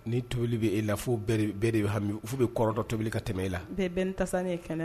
Ni tobili b bɛ ee la fo bɛɛ de hami fo bɛ kɔrɔdɔ tobili ka tɛmɛ e la bɛɛ bɛn taasa ye kɛnɛ